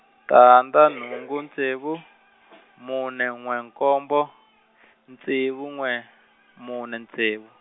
tandza nhungu ntsevu, mune n'we nkombo, ntsevu n'we, mune ntsevu.